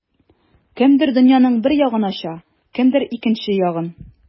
Кемдер дөньяның бер ягын ача, кемдер икенче ягын.